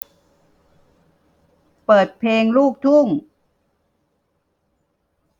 เปิดเพลงลูกทุ่ง